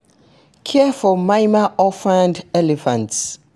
Caring for Myanmar’s orphaned elephants